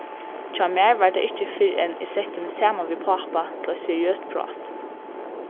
hjá mær var tað ikki fyrr enn eg setti meg saman við pápa til eitt seriøst prát